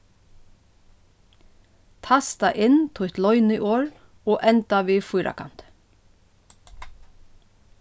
tasta inn títt loyniorð og enda við fýrakanti